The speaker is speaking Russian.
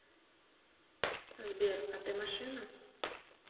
сбер а ты машина